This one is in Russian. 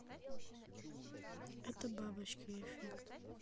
это бабочки эффект